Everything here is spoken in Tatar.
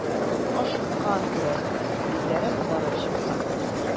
Ашыккан, күрәсең, битләре кызарып чыккан.